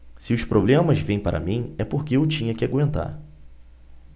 se os problemas vêm para mim é porque eu tinha que aguentar